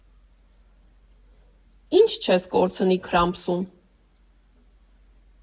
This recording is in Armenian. Ի՞նչ չես կորցնի Քրամբսում։